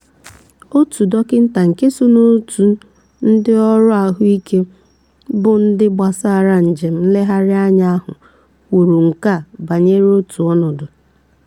Otu dọkịta nke so n'òtù ndị ọrụ ahụike bụ́ ndị gara njem nlegharị anya ahụ kwuru nke a banyere otu ọnọdu: